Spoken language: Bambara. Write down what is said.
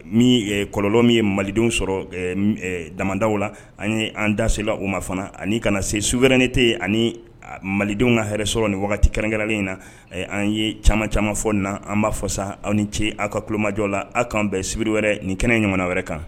Min kɔlɔnlɔ min ye malidenw sɔrɔ damadaw la an ye an dasela u ma fana ani kana na se su wɛrɛ ne tɛ ani malidenw ka hɛrɛ sɔrɔ ni wagati kɛrɛnkɛrɛnlen in na an ye caman caman fɔ nin na an b'a fɔ sa aw ni ce aw ka kumajɔ la aw kanan bɛn sibiri wɛrɛ nin kɛnɛ ɲa wɛrɛ kan